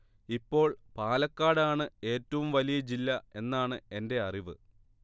ഇപ്പോൾ പാലക്കാട് ആണ് ഏറ്റവും വലിയ ജില്ല എന്നാണ് എന്റെ അറിവ്